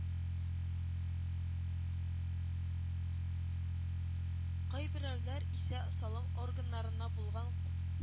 Кайберүләр исә салым органнарына булган